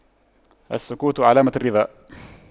السكوت علامة الرضا